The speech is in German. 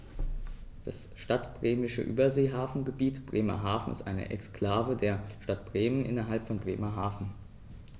Das Stadtbremische Überseehafengebiet Bremerhaven ist eine Exklave der Stadt Bremen innerhalb von Bremerhaven.